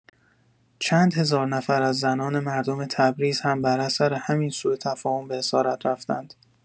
چند هزار نفر از زنان مردم تبریز هم بر اثر همین سو تفاهم به اسارت رفتند؟